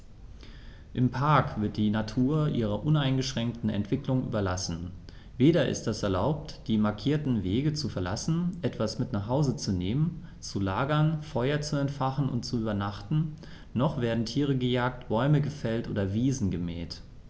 Im Park wird die Natur ihrer uneingeschränkten Entwicklung überlassen; weder ist es erlaubt, die markierten Wege zu verlassen, etwas mit nach Hause zu nehmen, zu lagern, Feuer zu entfachen und zu übernachten, noch werden Tiere gejagt, Bäume gefällt oder Wiesen gemäht.